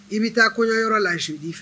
I bɛ taa kɔɲɔyɔrɔ la i su'i fɛ